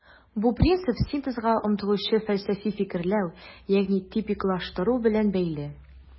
Бу принцип синтезга омтылучы фәлсәфи фикерләү, ягъни типиклаштыру белән бәйле.